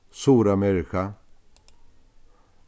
suðuramerika